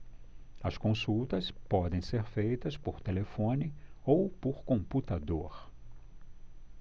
as consultas podem ser feitas por telefone ou por computador